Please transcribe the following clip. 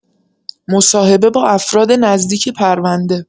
مصاحبه با افراد نزدیک پرونده